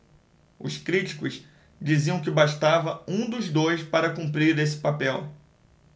os críticos diziam que bastava um dos dois para cumprir esse papel